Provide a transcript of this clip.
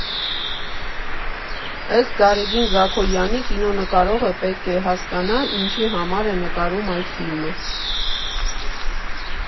Ըստ Գարեգին Զաքոյանի՝ կինո նկարողը պետք է հասկանա՝ ինչի համար է նկարում այդ ֆիլմը.